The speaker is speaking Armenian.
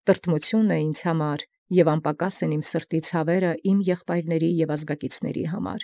«Տրտմութիւն է ինձ և անպակաս ցաւք սրտի իմոյ, վասն եղբարց իմոց և ազգականացե։